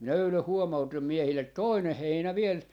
minä eilen huomautin miehille toinen heinä vielä